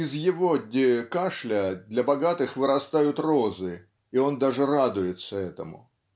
из его-де кашля для богатых вырастают розы, и он даже радуется этому.